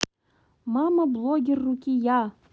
мама блогер рукия